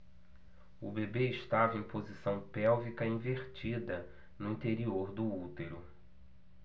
o bebê estava em posição pélvica invertida no interior do útero